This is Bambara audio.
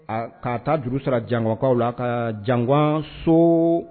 A ka taa juru sara jankɔkaw la ka janwan so